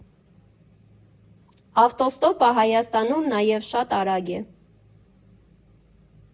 Ավտոստոպը Հայաստանում նաև շատ արագ է։